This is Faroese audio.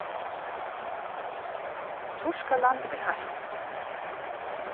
turkaland er heitt